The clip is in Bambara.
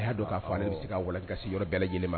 A y'a don'a fɔ bɛ se kasi yɔrɔ bɛɛ lajɛlen ma